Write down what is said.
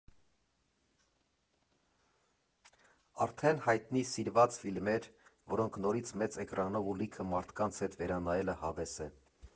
Արդեն հայտնի, սիրված ֆիլմեր, որոնք նորից մեծ էկրանով ու լիքը մարդկանց հետ վերանայելը հավես է։